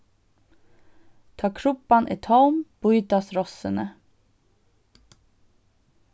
tá krubban er tóm býtast rossini